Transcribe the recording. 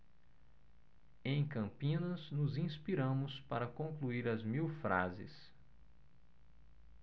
em campinas nos inspiramos para concluir as mil frases